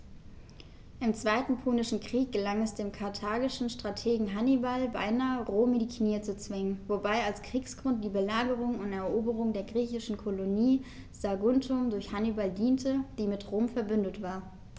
Im Zweiten Punischen Krieg gelang es dem karthagischen Strategen Hannibal beinahe, Rom in die Knie zu zwingen, wobei als Kriegsgrund die Belagerung und Eroberung der griechischen Kolonie Saguntum durch Hannibal diente, die mit Rom „verbündet“ war.